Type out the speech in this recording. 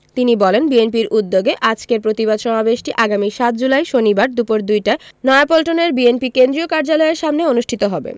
তিনি বলেন বিএনপির উদ্যোগে আজকের প্রতিবাদ সমাবেশটি আগামী ৭ জুলাই শনিবার দুপুর দুইটায় নয়াপল্টনের বিএনপি কেন্দ্রীয় কার্যালয়ের সামনে অনুষ্ঠিত হবে